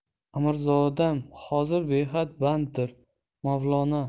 amirzodam hozir behad banddir mavlono